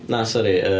Na, sori yy...